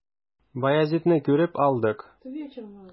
Баязитны күреп алдык.